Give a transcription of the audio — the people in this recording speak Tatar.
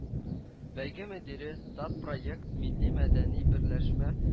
Бәйге мөдире, "тат проект" милли-мәдәни берләшмә